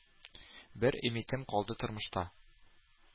Бер өмитем калды тормышта: